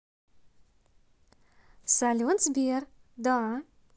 салют сбер да